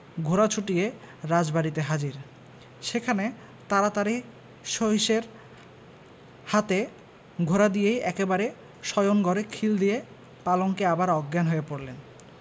ঘোড়া ছূটিয়ে রাজবাড়িতে হাজির সেখানে তাড়াতাড়ি সহিসের হাতে ঘোড়া দিয়েই একেবারে শয়ন ঘরে খিল দিয়ে পালঙ্কে আবার অজ্ঞান হয়ে পড়লেন